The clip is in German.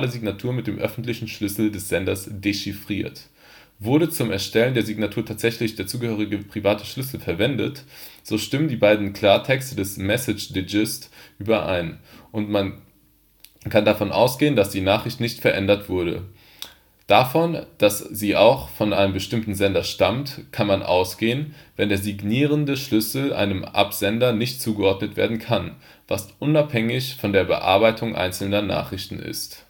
Signatur mit dem öffentlichen Schlüssel des Senders dechiffriert. Wurde zum Erstellen der Signatur tatsächlich der zugehörige private Schlüssel verwendet, so stimmen die beiden Klartexte des Message Digests überein; und man kann davon ausgehen, dass die Nachricht nicht verändert wurde. Davon, dass sie auch von einem bestimmten Sender stammt, kann man ausgehen, wenn der signierende Schlüssel einem Absender sicher zugeordnet werden kann, was unabhängig von der Bearbeitung einzelner Nachrichten ist